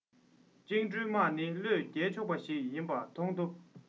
བཅིངས འགྲོལ དམག ནི བློས འགེལ ཆོག པ ཞིག ཡིན པ མཐོང ཐུབ